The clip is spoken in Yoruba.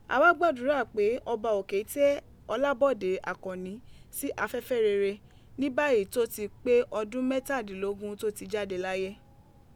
A wa gbadura pe Ọba oke tẹ Olabode Akanni si afẹfẹ rere nibayii to ti pe ọdun mẹtadinlaadọrin to ti jade laye.